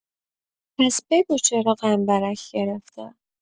پس بگو چرا غمبرک گرفته